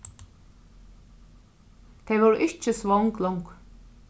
tey vóru ikki svong longur